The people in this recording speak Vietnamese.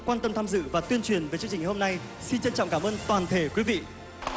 quan tâm tham dự và tuyên truyền về chương trình hôm nay xin trân trọng cảm ơn toàn thể quý vị